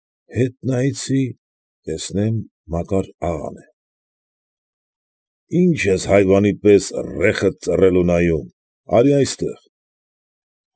Հետ նայեցի, տեսնեմ Մակար աղան է։ ֊ Ի՞նչ ես հայվանի պես ռեխդ ծռել ու նայում, արի այստեղ։